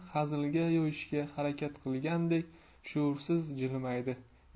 hazilga yo'yishga harakat qilgandek shuursiz jilmaydi